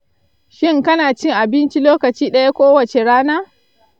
shin kana ci abinci a lokaci ɗaya kowace rana?